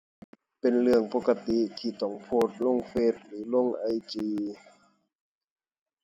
เป็นเรื่องปกติที่ต้องโพสต์ลงเฟซหรือลงไอจี